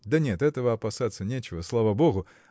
Да нет, этого опасаться нечего, слава богу!